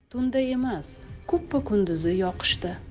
tunda emas kuppa kunduzi yoqishdi